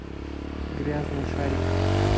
грязный шарик